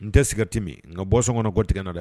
N tɛ cigarette min, nka boison kana kɔtigɛna dɛ!